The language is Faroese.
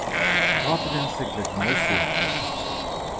báturin siglir til nólsoyar